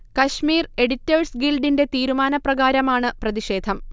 Kashmir editors ഗിൽഡിന്റെ തീരുമാനപ്രകാരമാണ് പ്രതിഷേധം